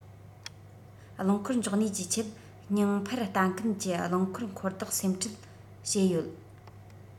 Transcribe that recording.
རླངས འཁོར འཇོག གནས ཀྱི ཆེད སྙིང འཕར ལྟ མཁན གྱི རླངས འཁོར འཁོར བདག སེམས ཁྲལ བྱེད ཡོད